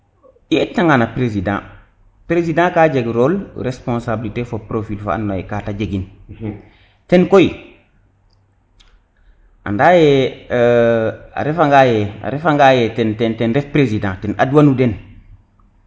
i etanga na president president ka jeg role responsablité fo profil fa and naye kate jegin ten koy anda ye a refa nga ye ten ref president ten adwanu den